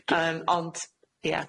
Yym ond, ia.